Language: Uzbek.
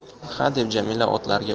xa deb jamila otlarga